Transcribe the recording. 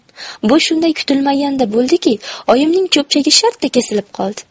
bu shunday kutilmaganda bo'ldiki oyimning cho'pchagi shartta kesilib qoldi